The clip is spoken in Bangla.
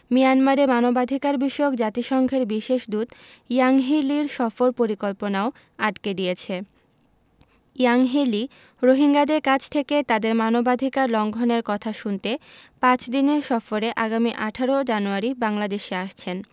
মিয়ানমারে মানবাধিকারবিষয়ক জাতিসংঘের বিশেষ দূত ইয়াংহি লির সফর পরিকল্পনাও আটকে দিয়েছে ইয়াংহি লি রোহিঙ্গাদের কাছ থেকে তাদের মানবাধিকার লঙ্ঘনের কথা শুনতে পাঁচ দিনের সফরে আগামী ১৮ জানুয়ারি বাংলাদেশে আসছেন